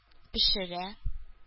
Пешерә